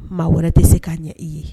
Maa wɛrɛ tɛ se k'a ɲɛ i ye